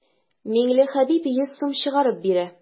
Миңлехәбиб йөз сум чыгарып бирә.